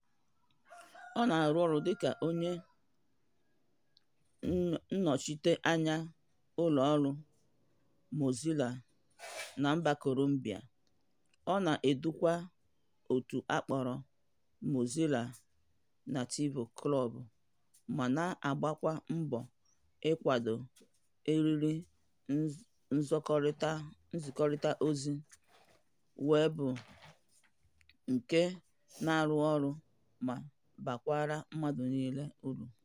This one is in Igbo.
Ọ na-arụ ọrụ dịka onye nnọchite anya ụlọ ọrụ Mozila na mba Colombia, ọ na-edukwa òtù akpọrọ 'Mozilla Nativo Club' ma na-agbakwa mbọ ịkwado eriri nzikọrịtaozi weebụ nke na-arụ ọrụ ma bakwaara mmadụ niile uru.